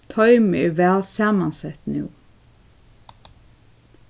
toymið er væl samansett nú